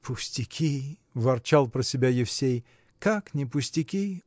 – Пустяки, – ворчал про себя Евсей, – как не пустяки